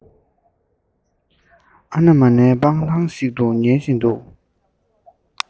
ཨ ན མ ནའི སྤང ཐང ཞིག ཏུ ཉུལ བཞིན འདུག